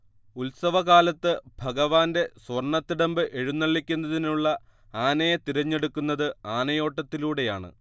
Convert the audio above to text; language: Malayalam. ഉത്സവകാലത്ത് ഭഗവാന്റെ സ്വർണ്ണതിടമ്പ് എഴുന്നള്ളിക്കുന്നതിനുള്ള ആനയെ തിരഞ്ഞെടുക്കുന്നത് ആനയോട്ടത്തിലൂടെയാണ്